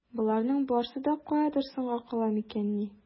Боларның барсы да каядыр соңга кала микәнни?